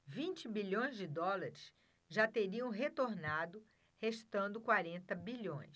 vinte bilhões de dólares já teriam retornado restando quarenta bilhões